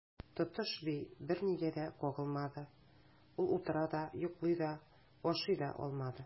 Тотыш би бернигә дә кагылмады, ул утыра да, йоклый да, ашый да алмады.